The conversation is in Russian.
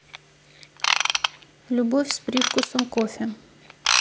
любовь с привкусом кофе